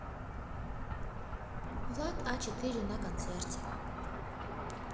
влада а четыре на концерте